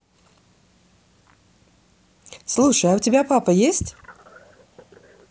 слушай а у тебя папа есть